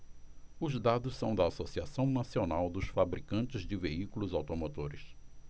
os dados são da anfavea associação nacional dos fabricantes de veículos automotores